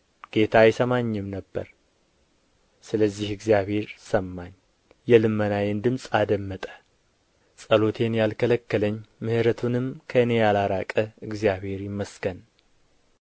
ጌታ አይሰማኝም ነበር ስለዚህ እግዚአብሔር ሰማኝ የልመናዬን ድምፅ አደመጠ ጸሎቴን ያልከለከለኝ ምሕረቱንም ከእኔ ያላራቀ እግዚአብሔር ይመስገን